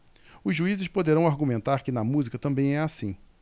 os juízes poderão argumentar que na música também é assim